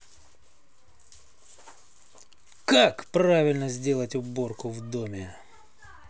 как правильно сделать уборку в доме